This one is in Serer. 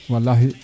walahi